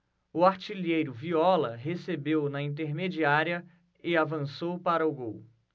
o artilheiro viola recebeu na intermediária e avançou para o gol